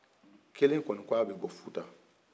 kelen kɔni ko a bɔ futa